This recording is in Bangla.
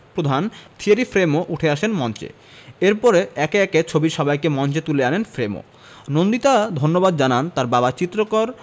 প্রধান থিয়েরি ফ্রেমো উঠে আসেন মঞ্চে এরপর একে একে ছবির সবাইকে মঞ্চে তুলে আনেন ফ্রেমো নন্দিতা ধন্যবাদ জানান তার বাবা চিত্রকর